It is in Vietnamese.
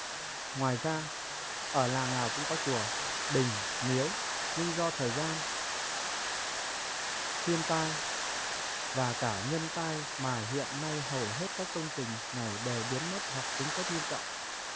ngoài ra ở làng nào cũng có chùa đình miếu nhưng do thời gian thiên tai và cả nhân tai mà hiện nay hầu hết các công trình này đều biến mất hoặc xuống cấp nghiêm trọng